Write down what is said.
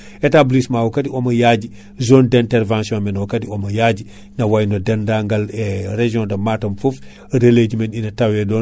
établissement o kaadi omo yaji zone d' intervention ne wayno men o kaadi omo yaji ne wayno dennagal e région de Matam foof relais ji men ina tawe ɗon